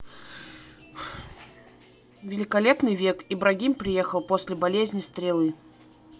великолепный век ибрагим приехал после болезни стрелы